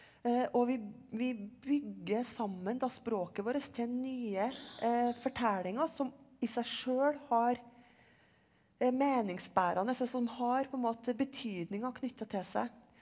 og vi vi bygger sammen da språket vårt til nye fortellinger som i seg sjøl har er meningsbærende, som har på en måte betydninger knytta til seg.